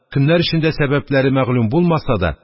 Көннәр өчен дә сәбәпләре мәгълүм булмаса да,